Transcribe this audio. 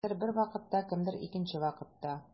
Кемдер бер вакытта, кемдер икенче вакытта.